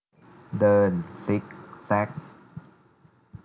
เดินซิกแซก